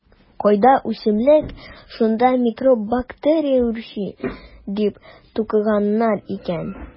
Кайда үсемлек - шунда микроб-бактерия үрчи, - дип тукыганнар икән.